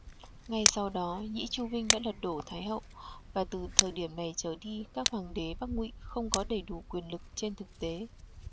ngay sau đó nhĩ chu vinh đã lật đổ thái hậu và từ thời điểm này trở đi các hoàng đế bắc ngụy không còn có đầy đủ quyền lực trên thực tế